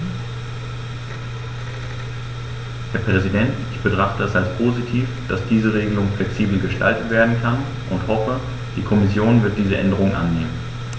Herr Präsident, ich betrachte es als positiv, dass diese Regelung flexibel gestaltet werden kann und hoffe, die Kommission wird diese Änderung annehmen.